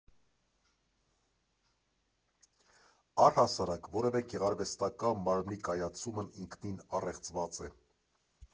Առհասարակ, որևէ գեղարվեստական մարմնի կայացումն ինքնին առեղծված է։